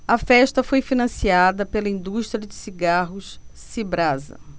a festa foi financiada pela indústria de cigarros cibrasa